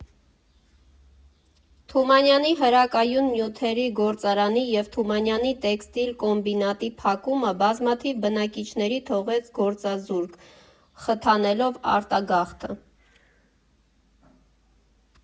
Թումանյանի հրակայուն նյութերի գործարանի և Թումանյանի տեքստիլ կոմբինատի փակումը բազմաթիվ բնակիչների թողեց գործազուրկ՝ խթանելով արտագաղթը։